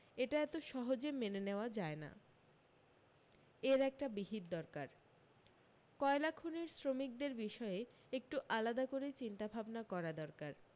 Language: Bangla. এটা এত সহজে মেনে নেওয়া যায় না এর একটা বিহিত দরকার কয়লাখনির শ্রমিকদের বিষয়ে একটু আলাদা করে চিন্তা ভাবনা করা দরকার